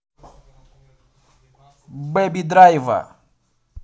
бэби драйва